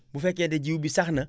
bu fekkee ne jiw bi sax na